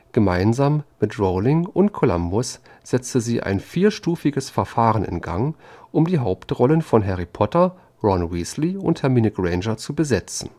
Gemeinsam mit Rowling und Columbus setzte sie ein mehrstufiges Verfahren in Gang, um die Hauptrollen von Harry Potter, Ron Weasley und Hermine Granger zu besetzen